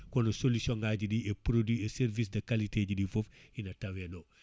kono solution ngaji ɗi e produit e service de qualité jiɗi foof ina tawe ɗo